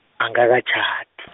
angakatjhadi.